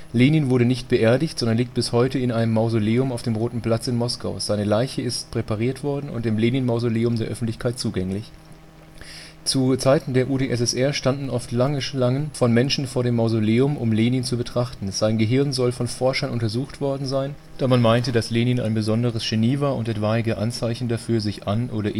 Lenin wurde nicht beerdigt, sondern liegt bis heute in einem Mausoleum auf dem Roten Platz in Moskau. Seine Leiche ist präpariert worden und im Lenin-Mausoleum der Öffentlichkeit zugänglich. Zu Zeiten der UdSSR standen oft lange Schlangen von Menschen vor dem Mausoleum, um Lenin zu betrachten. Sein Gehirn soll von Forschern untersucht worden sein, da man meinte, dass Lenin ein besonderes Genie war und etwaige Anzeichen dafür sich an oder